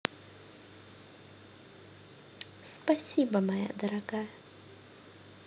спасибо моя дорогая